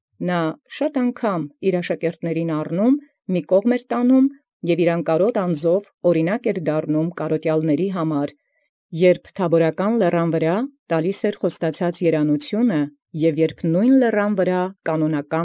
Որոյ բազում անգամ առեալ զաշակերտսն ուրոյն, և աննիազական անձամբն աւրինակ կարաւտելոցն լինէր, յորժամ ի Թաբաւրական լերինն՝ զաւետեաց երանութիւնն տայր, և յորժամ ի նմին լերին զկանոնական։